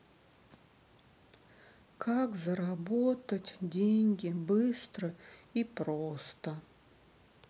как заработать деньги быстро и просто